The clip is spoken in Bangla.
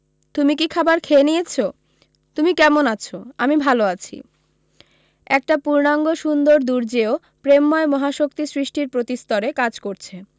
তুমি কী খাবার খেয়ে নিয়েছো তুমি ক্যামন আছো আমি ভালো আছি একটা পূর্ণাঙ্গ সুন্দর দুর্জেয় প্রেমময় মহাশক্তি সৃষ্টির প্রতিস্তরে কাজ করছে